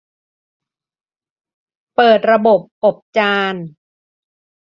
เปิดระบบอบจาน